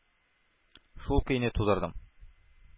Шул көйне тудырдым.